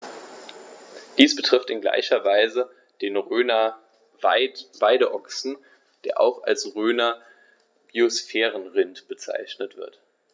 Dies betrifft in gleicher Weise den Rhöner Weideochsen, der auch als Rhöner Biosphärenrind bezeichnet wird.